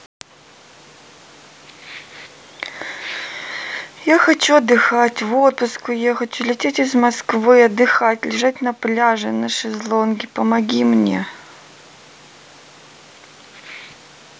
я хочу отдыхать в отпуск уехать улететь из москвы отдыхать лежать на пляже на шезлонге помоги мне